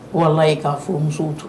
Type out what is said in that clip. Wala e k'a fɔ musow jɔ